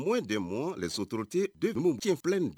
Mɔ in de mɔ sotorote denw ninnu kinfi in de